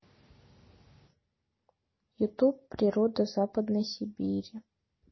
ютуб природа западной сибири